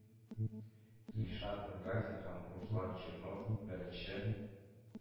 Илшат Нургатин һәм Руслан Чернов – беренче,